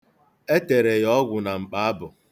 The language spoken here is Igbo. E tere ya ọgwụ na mkpaabụ.